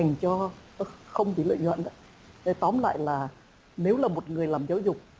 dành cho không vì lợi nhuận tóm lại là nếu là một người làm giáo dục